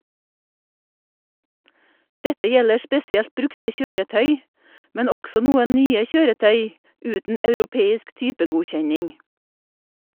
Dette gjelder spesielt brukte kjøretøy, men også noen nye kjøretøy uten europeisk typegodkjenning.